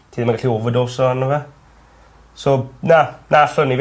Ti ddim yn gallu oferdoso arno fe. So na na allwn i...